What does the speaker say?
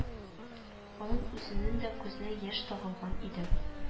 Аның үзенең дә күзенә яшь тыгылган иде